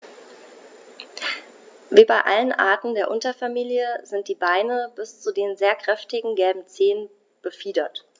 Wie bei allen Arten der Unterfamilie sind die Beine bis zu den sehr kräftigen gelben Zehen befiedert.